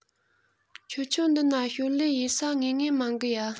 ཁྱོད ཆོ འདི ན ཞོར ལས ཡེད ས ངེས ངེས མང གི ཡ